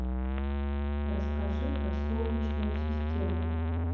расскажи про солнечную систему